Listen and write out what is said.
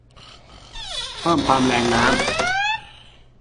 เพิ่มความแรงน้ำ